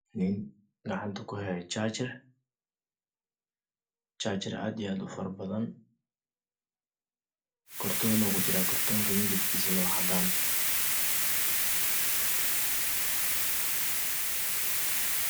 Aysan waxa ay lugtaan ku jiraan jaajarro badan mid ka mid ah waxaa gacanta ku hayo nin